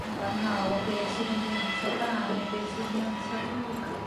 cadarnhaol o beth sydd yn rhianta da ne' be' sy'n rianta drwg.